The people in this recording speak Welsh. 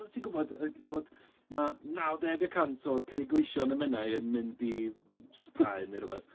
Oeddet ti'n gwybod fod ma' nawdeg y cant o cerrig leision y Menai yn mynd i Sbaen neu rywbeth.